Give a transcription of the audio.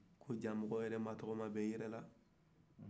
ko jaga mɔgɔ yɛrɛ tɔgɔ ma ɲi i yɛrɛ da